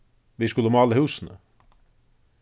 vit skulu mála húsini